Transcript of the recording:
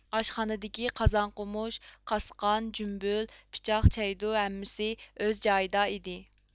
ئاشخانىدىكى قازان قومۇچ قاسقان جۈمبۈل پىچاق چەيدۇ ھەممىسى ئۆز جايىدا ئىدى